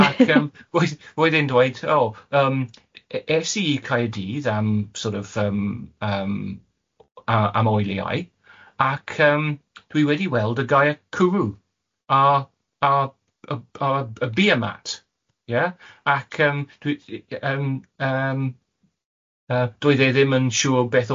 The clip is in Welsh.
Ac yym oedd oedd e'n dweud o yym es i i Caerdydd am sort of yym yy am oiliau ac yym dwi wedi weld y gair cwrw ar ar yy ar y beermat ie ac yym dwi yy yym yym yy doedd e ddim yn siŵr beth oedd y gair.